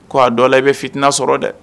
K a dɔ la i bɛ fitna sɔrɔ dɛ